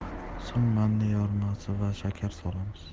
so'ng manniy yormasi va shakar solamiz